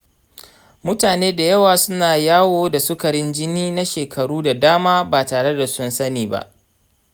mutane da yawa suna yawo da sukarin jini na shekaru da dama ba tare da sun sani ba.